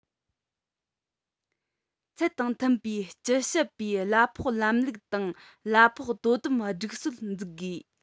ཚད དང མཐུན པའི སྤྱི ཞབས པའི གླ ཕོགས ལམ ལུགས དང གླ ཕོགས དོ དམ སྒྲིག སྲོལ འཛུགས དགོས